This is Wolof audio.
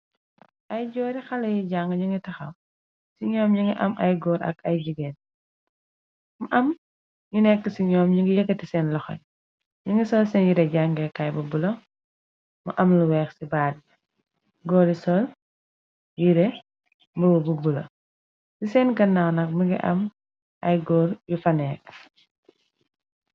Ay joori xale yi jàng ñu ngi taxaw. Ci ñoom yi ngi am ay góor ak ay jigéen am am ngi nekk ci ñoom ñi ngi yëkkati seen loxé ni ngi sol seen yire jàngeekaay bu bula mu am lu weex ci baar bi góori sol yire muro bu bula ci seen gannaaw nak mingi am ay góor yu fanéek.